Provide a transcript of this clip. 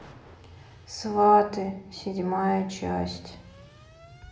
сваты седьмая часть